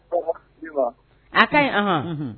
A ka ɲi an